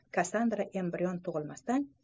kassandra embrion tug'ilmasdan